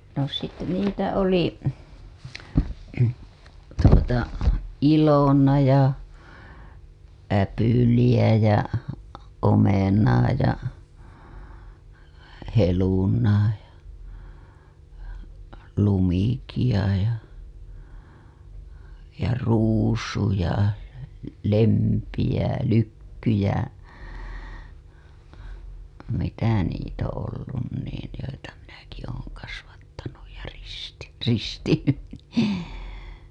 no sitten niitä oli tuota Ilona ja Äpyliä ja Omenaa ja Helunaa ja Lumikkia ja ja Ruusu ja Lempi ja Lykky ja mitä niitä on ollut niin joita minäkin olen kasvattanut ja - ristinyt niin